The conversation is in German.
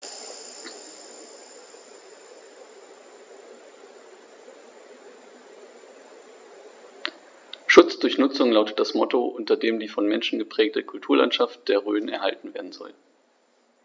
„Schutz durch Nutzung“ lautet das Motto, unter dem die vom Menschen geprägte Kulturlandschaft der Rhön erhalten werden soll.